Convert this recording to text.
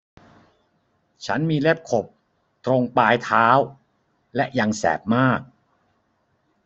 ฉันมีเล็บขบตรงปลายเท้าและยังแสบมาก